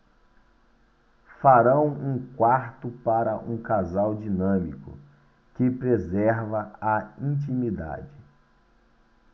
farão um quarto para um casal dinâmico que preserva a intimidade